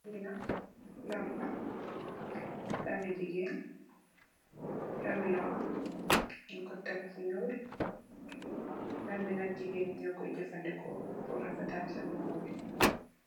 Lenak lam la. Lam mi jegee lam mi loho nyu ko tek fu nul. Lambi nak jigéen nyo ko they jefo purr refatal sen lohbi